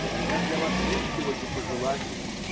У меня для вас нет сегодня пожеланий.